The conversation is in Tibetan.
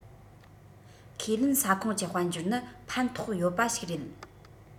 ཁས ལེན ས ཁོངས ཀྱི དཔལ འབྱོར ནི ཕན ཐོགས ཡོད པ ཞིག རེད